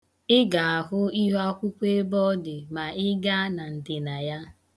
Ị ga-ahụ ihuakwụkwọ ebe ọ dị ma ị gaa na ndịna ya.